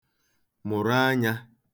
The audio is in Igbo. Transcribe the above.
mụ̀rụ anyā